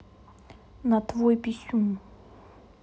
на твой писюн